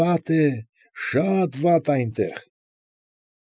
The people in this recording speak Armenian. Վատ է, շատ վատ այնտեղ։